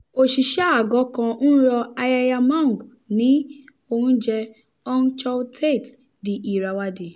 Òṣìṣẹ́ àgọ̀ kan ń rọ Ayeyar Maung ní oúnjẹ. / Aung Kyaw Htet / The Irrawaddy